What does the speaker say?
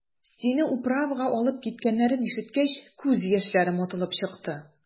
Сине «управа»га алып киткәннәрен ишеткәч, күз яшьләрем атылып чыкты.